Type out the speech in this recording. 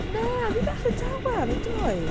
Na, oedd hi bach yn dawel yn doedd?